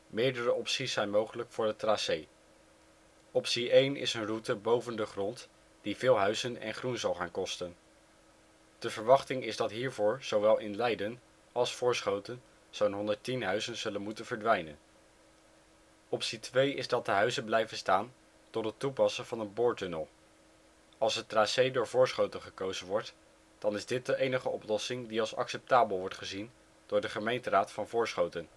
Meerder opties zijn mogelijk voor het tracé: Optie 1 is een route boven de grond die veel huizen en groen zal gaan kosten. De verwachting is dat hiervoor zowel in Leiden als Voorschoten zo 'n 110 huizen zullen moeten verdwijnen. Optie 2 is dat de huizen blijven staan door het toepassen van een boortunnel. Als het tracé door Voorschoten gekozen wordt, dan is dit de enige oplossing die als acceptabel wordt gezien door de gemeenteraad van Voorschoten